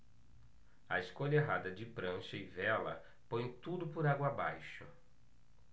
a escolha errada de prancha e vela põe tudo por água abaixo